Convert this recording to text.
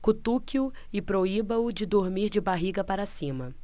cutuque-o e proíba-o de dormir de barriga para cima